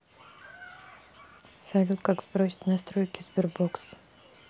салют как сбросить настройки sberbox